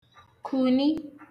kùni